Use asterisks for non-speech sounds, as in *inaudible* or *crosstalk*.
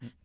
*hesitation*